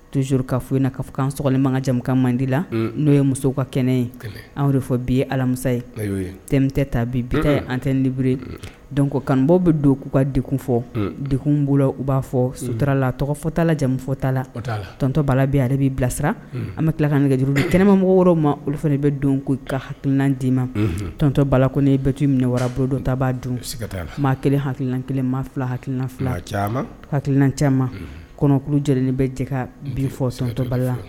Tojuru ka fɔ i kaa fɔ ankma kajamu mandi la n'o ye musow ka kɛnɛ ye anw de fɔ bi ye alamisa ye t tɛ ta bi bita an tɛ bururi don kanbɔ bɛ don k'u ka dek fɔ dekkun bolola u b'a fɔ suturala tɔgɔ fɔtaalajamu fɔtala tɔntɔ balala bɛ yɛrɛ b'i bilasira an bɛ tilakan nɛgɛ kaj juruuru kɛnɛmamɔgɔ wɛrɛ ma olu fana bɛ don ko i ka hakilina'i ma tɔntɔ balalak bɛ tu minɛ wara bolo don ta b'a dun sigata maa kelen halla kelen maa hakilina hakilina caman kɔnɔkuru lajɛlen bɛ jɛ ka bin fɔ tɔntɔ balala